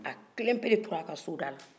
a kelen pe de tora a ka so da la